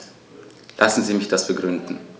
Lassen Sie mich das begründen.